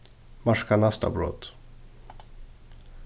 marka næsta brot